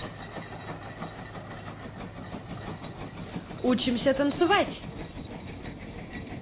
учимся танцевать